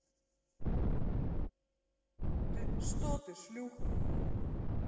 что ты шлюха